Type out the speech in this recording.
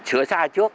sửa sai trước